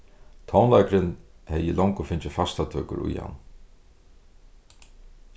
tónleikurin hevði longu fingið fastatøkur í hann